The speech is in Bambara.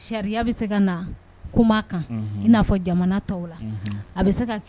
Sariya bɛ se ka na kuma a kan i n' fɔ jamana tɔgɔ